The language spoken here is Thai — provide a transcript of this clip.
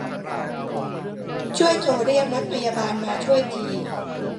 ช่วยโทรเรียกรถพยาบาลมาช่วยที